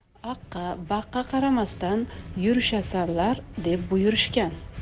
aqqa baqqa qaramasdan yurishasanlar deb buyurishgan